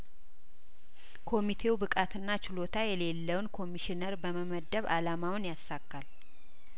ኮሚቴው ብቃትና ችሎታ የሌለውን ኮሚሽነሮች በመመደብ አላማውን ያሳካል